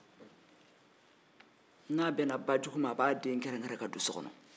n'a bɛnna bajugu ma a b'a den kɛrɛnkɛrɛn ka don so kɔnɔ